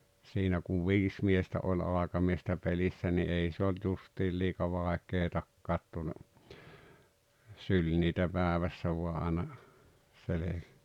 siinä kun viisi miestä oli aikamiestä pelissä niin ei se ollut justiin liian vaikeatakaan tuonne syli niitä päivässä vain aina -